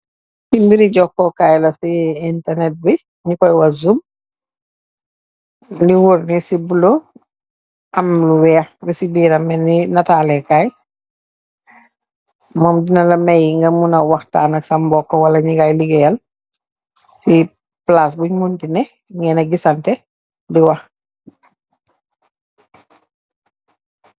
Ci mbiri jokkookaay la ci internet bi ñi koy wa zoom, ni wurni ci bulo am lu weex ri ci biirame ni nataalekaay , moom dina la meyi nga mu na waxtaanak sa mbokk wala ñingay liggéeyal, ci plase buñ mundine ngena gisante di wax.